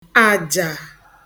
àjà